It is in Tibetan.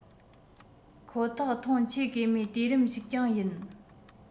ཁོ ཐག ཐོན ཆེ གེ མོས དུས རིམ ཞིག ཀྱང ཡིན